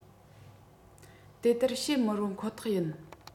དེ ལྟར བཤད མི རུང ཁོ ཐག ཡིན